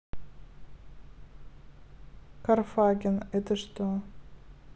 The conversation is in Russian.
karphagen это что